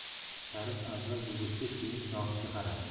sharif avval gugurtga keyin zohidga qaradi